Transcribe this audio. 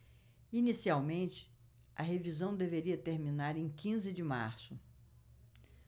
inicialmente a revisão deveria terminar em quinze de março